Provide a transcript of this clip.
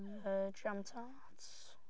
Yy jam tarts.